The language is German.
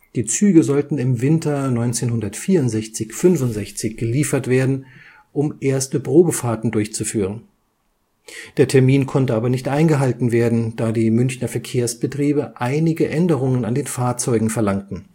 Die Züge sollten im Winter 1964 / 65 geliefert werden, um erste Probefahrten durchzuführen. Der Termin konnte aber nicht eingehalten werden, da die Münchner Verkehrsbetriebe einige Änderungen an den Fahrzeugen verlangten